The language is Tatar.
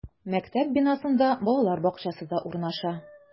Мәктәп бинасында балалар бакчасы да урнаша.